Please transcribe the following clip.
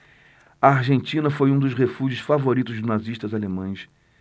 a argentina foi um dos refúgios favoritos dos nazistas alemães